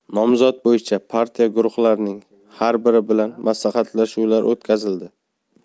nomzod bo'yicha partiya guruhlarining har biri bilan maslahatlashuvlar o'tkazildi